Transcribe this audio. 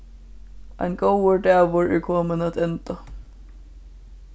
ein góður dagur er komin at enda